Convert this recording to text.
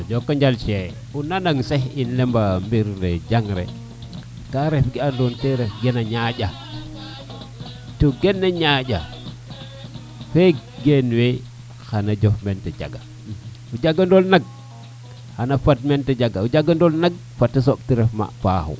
jokonjal Cheikh o nanan sax im lema mbir we jangre ka ref ke andona tena ñaƴa to kena ñaƴa feek geen we xana jof men te janga o janganol ne nak xana fad meet te janga o janga nor nak fata soɓ te ref ma paaxu